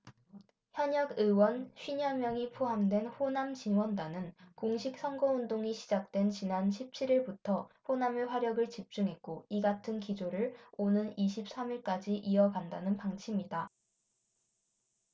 현역의원 쉰 여명이 포함된 호남지원단은 공식선거운동이 시작된 지난 십 칠 일부터 호남에 화력을 집중했고 이같은 기조를 오는 이십 삼 일까지 이어간다는 방침이다